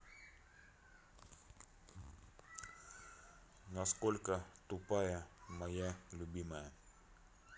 насколько тупая моя любимая